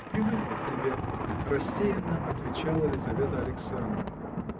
привыкла к тебе, – рассеянно отвечала Лизавета Александровна.